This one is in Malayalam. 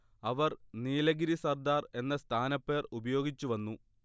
അവർ നീലഗിരി സർദാർ എന്ന സ്ഥാനപ്പേർ ഉപയോഗിച്ചു വന്നു